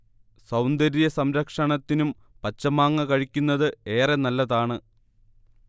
സൗന്ദര്യ സംരക്ഷണത്തിനും പച്ചമാങ്ങ കഴിക്കുന്നത് ഏറെ നല്ലതാണ്